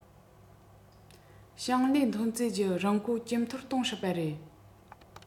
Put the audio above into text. ཞིང ལས ཐོན རྫས ཀྱི རིན གོང ཇེ མཐོར གཏོང སྲིད པ རེད